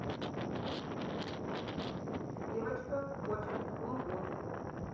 девочка хочет бум бум